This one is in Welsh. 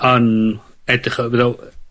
yn edrych fel by' fel